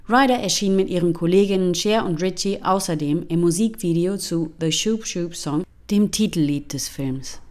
erschien mit ihren Kolleginnen Cher und Ricci außerdem im Musikvideo zu The Shoop Shoop Song, dem Titellied des Films